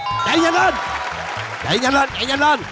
chạy nhanh lên chạy nhanh lên chạy nhanh lên